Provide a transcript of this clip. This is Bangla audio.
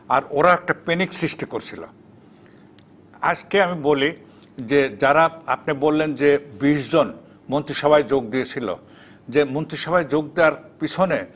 আর ওরা একটা প্যানিক সৃষ্টি করছিল আজকে আমি বলি যে যারা আপনি বললেন যে ২০ জন সভায় যোগ দিয়েছিল যে মন্ত্রিসভায় যোগ দেয়ার পিছনে